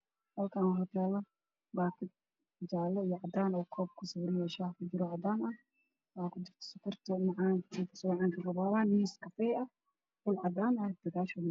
Halkaan waxaa taalo baakad oo jaale iyo cadaan ah oo koob kusawiran oo shaax kujiro oo cadaan ah, bir cadaan ah, miis kafay ah iyo ul cadaan ah oo gadaal taalo.